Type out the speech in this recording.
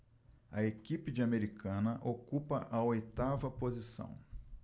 a equipe de americana ocupa a oitava posição